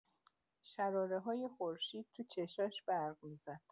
شراره‌های خورشید تو چشاش برق می‌زد.